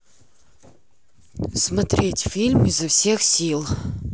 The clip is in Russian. смотреть фильм изо всех сил